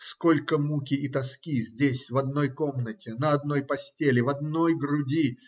Сколько муки и тоски здесь, в одной комнате, на одной постели, в одной груди